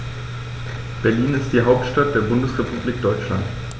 Berlin ist die Hauptstadt der Bundesrepublik Deutschland.